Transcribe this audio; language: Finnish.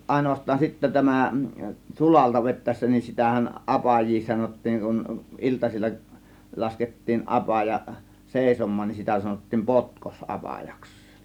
ainoastaan sitten tämä sulalta vetäessä niin sitähän apajia sanottiin kun iltasilla laskettiin apaja seisomaan niin sitä sanottiin - potkosapajaksi